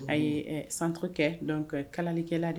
A ye santɔ kɛ dɔn ka kalalikɛla de ye